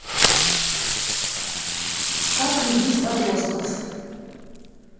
как любить подростков